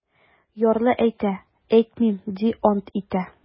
Ярлы әйтә: - әйтмим, - ди, ант итә.